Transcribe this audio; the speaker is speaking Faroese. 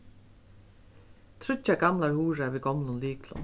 tríggjar gamlar hurðar við gomlum lyklum